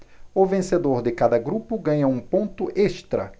o vencedor de cada grupo ganha um ponto extra